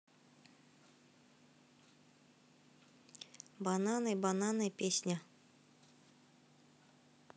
бананы бананы песня